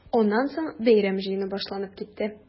Аннан соң бәйрәм җыены башланып китте.